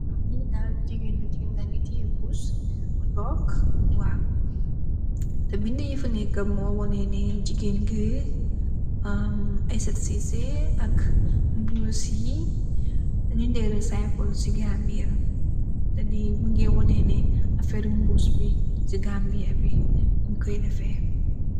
Waa niie daal gigain la, gigain gahngy tiyeh mbuss mu tok waw, teh bindue yifa nekue mor wohneh neh gigain gui ahm isatou ceesay ak mbuss yii ning dey recycle cii Gambia, teh lii mungeh woneh neh affairee mbuss bii cii Gambia bii nung koiy dehfeh.